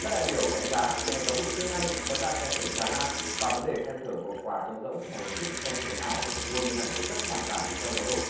các đại biểu đánh giá ngành giáo dục xưa nay vẫn đang khen thưởng tràn lan và vấn đề khen thưởng hộp quà trống rỗng là hình thức khen thưởng ảo một hình ảnh rất phản cảm trong giáo dục